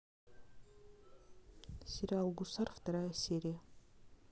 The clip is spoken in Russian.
сериал гусар вторая серия